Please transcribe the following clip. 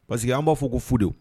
Parce que an b'a fɔ ko fude